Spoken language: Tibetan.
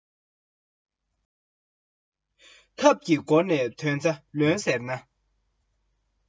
ཐབས ཀྱི སྒོ ནས དོན རྩ ལོན ཟེར ན